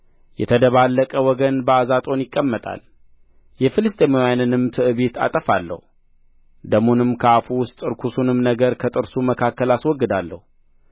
የተደባለቀ ወገን በአዛጦን ይቀመጣል የፍልስጥኤማውያንንም ትዕቢት አጠፋለሁ ደሙንም ከአፉ ውስጥ ርኩሱንም ነገር ከጥርሱ መካከል አስወግዳለሁ